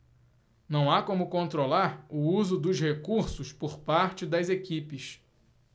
não há como controlar o uso dos recursos por parte das equipes